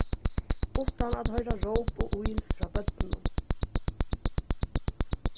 uttan at hoyra róp og ýl frá børnunum